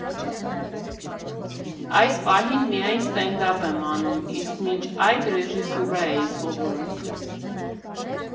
Այս պահին միայն ստենդափ եմ անում, իսկ մինչ այդ ռեժիսուրա էի սովորում։